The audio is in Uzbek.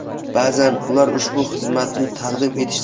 ba'zan ular ushbu xizmatni taqdim etishi